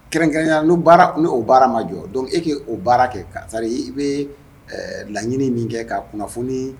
Kɛrɛnkɛrɛnya n ni'o baara ma jɔ dɔn e k' o baara kɛ karisari i bɛ laɲini min kɛ ka kunnafoni